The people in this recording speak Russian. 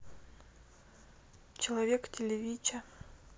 человечек телевича